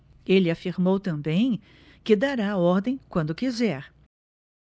ele afirmou também que dará a ordem quando quiser